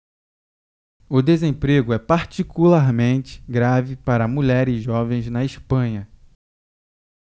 o desemprego é particularmente grave para mulheres jovens na espanha